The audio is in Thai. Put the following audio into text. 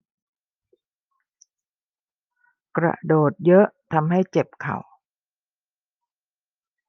กระโดดเยอะทำให้เจ็บเข่า